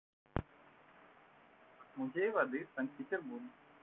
музей воды в санкт петербурге